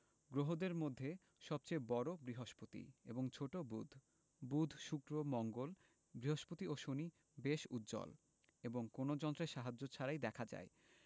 গ্রহদের মধ্যে সবচেয়ে বড় বৃহস্পতি এবং ছোট বুধ বুধ শুক্র মঙ্গল বৃহস্পতি ও শনি বেশ উজ্জ্বল এবং কোনো যন্ত্রের সাহায্য ছাড়াই দেখা যায়